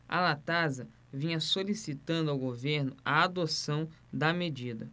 a latasa vinha solicitando ao governo a adoção da medida